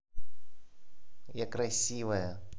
я красивая